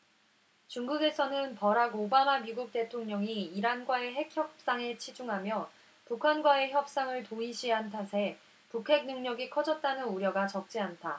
중국에서는 버락 오바마 미국 대통령이 이란과의 핵 협상에 치중하며 북한과의 협상을 도외시한 탓에 북핵 능력이 커졌다는 우려가 적지 않다